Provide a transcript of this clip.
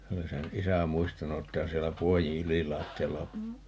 se oli sen isä muistanut että on siellä puodin ylilattialla on